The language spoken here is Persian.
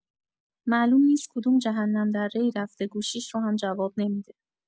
معلوم نیست کدوم جهنم‌دره‌ای رفته گوشیش رو هم جواب نمی‌ده!